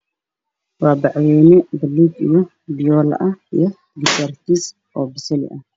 Waa bacweyne balog iyo fiyol ah io gabasaarkisa oo basali ah